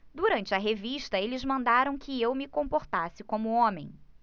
durante a revista eles mandaram que eu me comportasse como homem